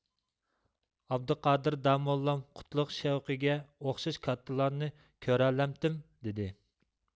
ئابدۇقادىر داموللام قۇتلۇق شەۋقىگە ئوخشاش كاتتىلارنى كۆرەلەمتىم دېدى